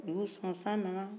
u y' u sɔn san nana